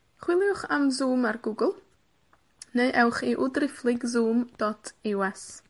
Chwiliwch am Zoom ar Google, neu ewch i w driphlyg Zoom dot you ess.